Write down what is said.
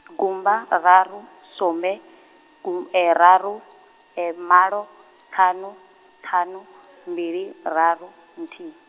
gumba, raru sumbe gu- e raru e malo, ṱhanu, ṱhanu mbili raru, nthihi.